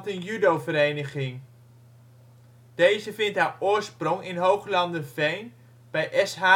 judovereniging. Deze vindt haar oorsprong in Hooglanderveen bij SH'71